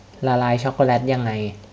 ละลายช็อคโกแลตยังไง